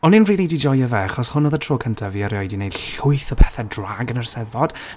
O'n i'm rili 'di joio fe, achos hwn oedd y tro cyntaf fi, erioed, i wneud llwyth o pethe drag, yn yr Eisteddfod.